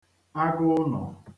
agụ̄ụ̄nọ̀